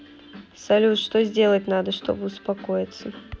салют что сделать надо чтобы успокоиться